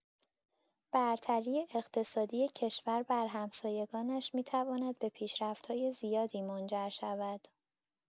برتری اقتصادی کشور بر همسایگانش می‌تواند به پیشرفت‌های زیادی منجر شود.